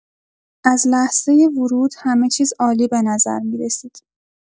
از لحظۀ ورود همه چیز عالی به نظر می‌رسید.